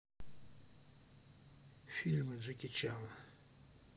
фильмы джеки чана